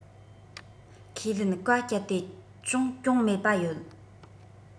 ཁས ལེན གཱ སྤྱད དེ ཅུང གྱོང མེད པ ཡོད